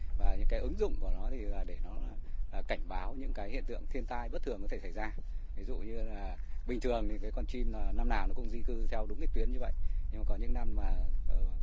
và những cái ứng dụng của nó thì là để nó lại là cảnh báo những cái hiện tượng thiên tai bất thường có thể xảy ra ví dụ như là bình thường thì thấy con chim là năm nào nó cũng di cư theo đúng tuyến như vậy nhưng có những năm mà